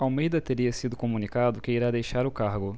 almeida teria sido comunicado que irá deixar o cargo